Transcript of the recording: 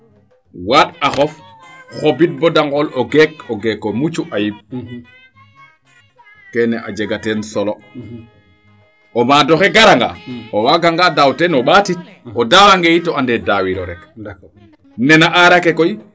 waand ax of xobid bada ngool o geek o geeko mucu ayib keene a jega teen solo o maadoxe gara nga o waaga nga daaw teen o mbatit o daaawe nge yit o ande dawiro rek nena aarake koy